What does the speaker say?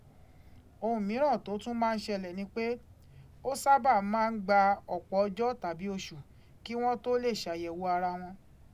Ohun mìíràn tó tún máa ń ṣẹlẹ̀ ni pé, ó sábà máa ń gba ọ̀pọ̀ ọjọ́ tàbí oṣù kí wọ́n tó lè ṣàyẹ̀wò ara wọn.